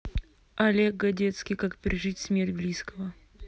олег гадецкий как пережить смерть близкого